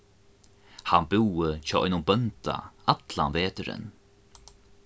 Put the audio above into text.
hann búði hjá einum bónda allan veturin